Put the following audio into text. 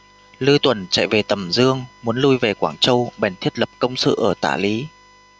lư tuần chạy về tầm dương muốn lui về quảng châu bèn thiết lập công sự ở tả lí